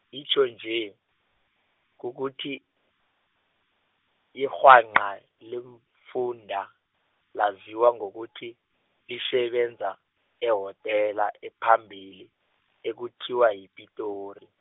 into nje, kukuthi, irhwanqa leemfunda laziwa ngokuthi, lisebenza, ehotela ephambili, ekuthiwa yiPitori.